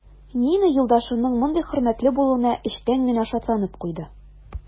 Нина юлдашының мондый хөрмәтле булуына эчтән генә шатланып куйды.